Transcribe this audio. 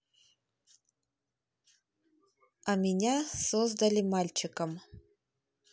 а меня создали мальчиком